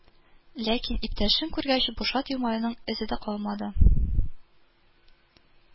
Ләкин иптәшен күргәч, бу шат елмаюның эзе дә калмады